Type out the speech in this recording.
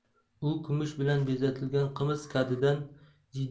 u kumush bilan bezatilgan qimiz kadidan